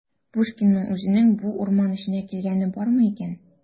Пушкинның үзенең бу урман эченә килгәне бармы икән?